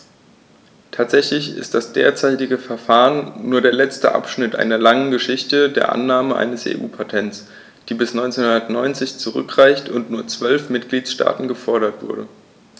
Tatsächlich ist das derzeitige Verfahren nur der letzte Abschnitt einer langen Geschichte der Annahme eines EU-Patents, die bis 1990 zurückreicht und nur von zwölf Mitgliedstaaten gefordert wurde.